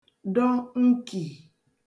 dọ nkì